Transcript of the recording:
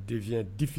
Deyɛn difi